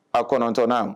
A kɔnɔntna